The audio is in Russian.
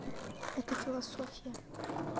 это философия